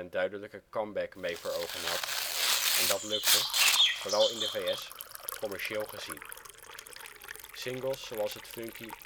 duidelijke comeback mee voor ogen had en dat lukte, vooral in de V.S., commercieel gezien. Singles zoals het funky